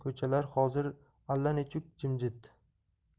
ko'chalar hozir allanechuk jimjit